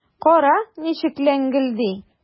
Кара, ничек ләңгелди!